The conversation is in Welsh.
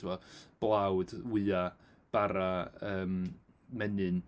Timod blawd, wyau, bara yym menyn.